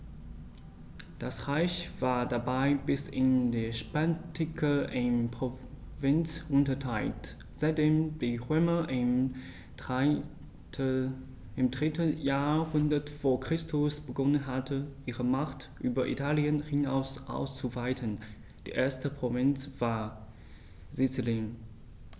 Das Reich war dabei bis in die Spätantike in Provinzen unterteilt, seitdem die Römer im 3. Jahrhundert vor Christus begonnen hatten, ihre Macht über Italien hinaus auszuweiten (die erste Provinz war Sizilien).